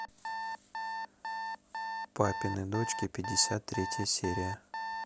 папины дочки пятьдесят третья серия